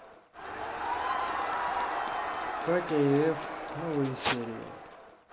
катя и эф новые серии